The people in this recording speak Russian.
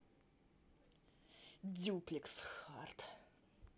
дюплекс харт